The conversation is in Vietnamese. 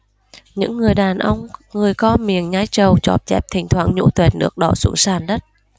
những người đàn ông người co miệng nhai trầu chóp chép thỉnh thoảng nhổ toẹt nước đỏ xuống sàn đất